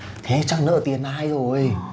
thế chắc nợ tiền ai rồi